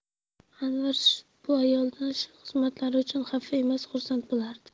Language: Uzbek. anvar bu ayoldan shu xizmatlari uchun xafa emas xursand bo'lardi